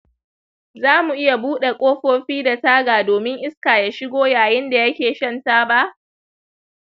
zamu iya buɗe kofofi da taga domin iska ya shigo yayinda yake shan taba?